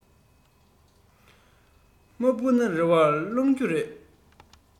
མ འཕུར ན རེ བ བརླགས རྒྱུ རེད